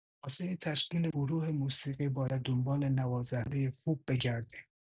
واسه تشکیل گروه موسیقی باید دنبال نوازنده خوب بگردیم.